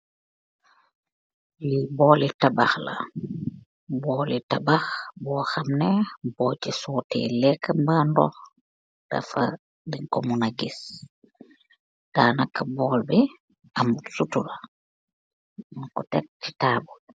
Li boleh tabaah laah , boleeh tabaah booh hamneh bojeeh soteh legah baah duuh dafa deng kooh bunaah giss , danakah bool bi ahmut suturah nu kooh teek si koow tabul.